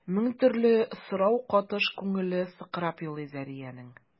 Мең төрле сорау катыш күңеле сыкрап елый Зәриянең.